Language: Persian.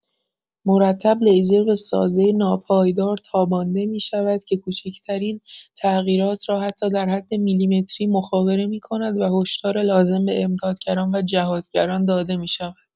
مرتب لیزر به سازه ناپایدار تابانده می‌شود که کوچکترین تغییرات را حتی در حد میلیمتری مخابره می‌کند و هشدار لازم به امدادگران و جهادگران داده می‌شود.